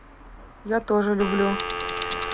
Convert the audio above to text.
я тоже люблю